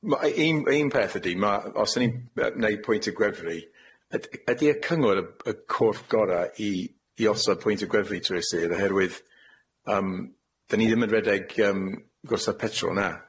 Ma' ei- un un peth ydi, ma'- os y'n ni'n yy neud pwyntiau gwefru, yd- yd- ydi'r cyngor y y corff gora i i osod pwyntiau gwefru trwy y sir, oherwydd yym 'dyn ni ddim yn redeg yym gorsaf petrol, na?